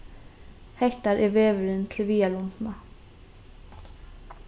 hetta er vegurin til viðarlundina